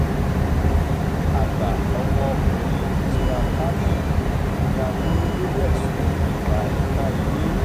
Àgbà ọmọ ọkùnrin Sarah Palin ni a mú lóri ẹsùn Ìwà ìpá ìlè.